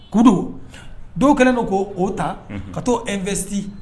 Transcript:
Ku don dɔw kɛlen' ko o ta ka taa e2ti